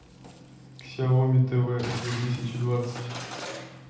ксиаоми тв две тысячи двадцать